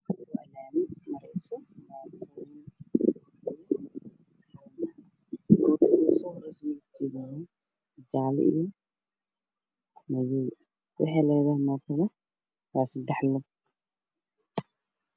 Meeshaan waa lami waxaa maraayo bajaajjo midabkoodu yihiin jaalo waxaa kale oo ay muuqda islaan wadato xijaabdu